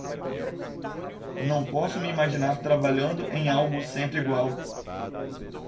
não posso me imaginar trabalhando em algo sempre igual